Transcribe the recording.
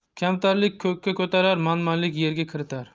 kamtarlik ko'kka ko'tarar manmanlik yerga kiritar